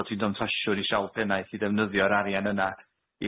bot' i'n demtasiwn i sawl pennaeth i ddefnyddio'r arian yna